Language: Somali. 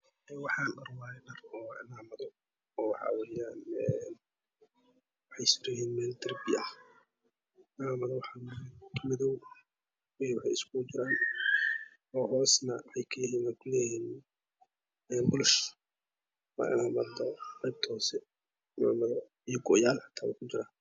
Waxa waaye dhar oo cimaamado ah waxay suran yihiin meel darbi ah. Cimaamaduhu waxay iskugu jiraan cimaamado madow oo hoosna ka leh burish. go'ayaal xitaa waa ku jiraan.